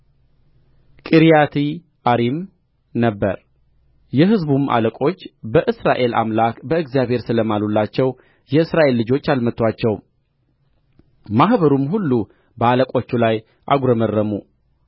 ቂርያትይዓሪም ነበረ የሕዝቡም አለቆች በእስራኤል አምላክ በእግዚአብሔር ስለ ማሉላቸው የእስራኤል ልጆች አልመቱአቸውም ማኅበሩም ሁሉ በአለቆቹ ላይ አጕረመረሙ